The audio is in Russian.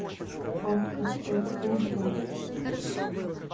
окко дэдпул два